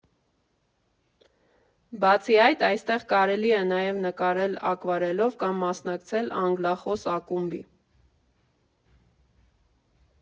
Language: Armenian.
Բացի այդ, այստեղ կարելի է նաև նկարել ակվարելով կամ մասնակցել անգլախոս ակումբի։